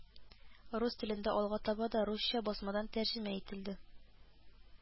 Рус телендә, алга таба да русча басмадан тәрҗемә ителде